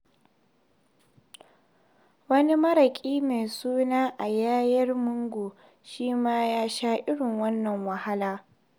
Wani maraƙi mai suna Ayeyar Maung shi ma ya sha irin wannan wahala.